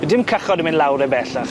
By' dim cychod yn mynd lawr e bellach.